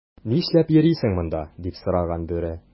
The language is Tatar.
"нишләп йөрисең монда,” - дип сораган бүре.